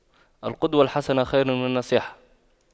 القدوة الحسنة خير من النصيحة